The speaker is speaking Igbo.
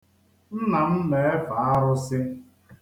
Nna m na-efe arụsị.